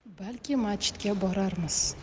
balki machitga borarmiz